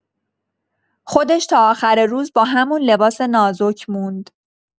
خودش تا آخر روز با همون لباس نازک موند.